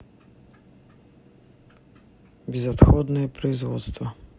безотходное производство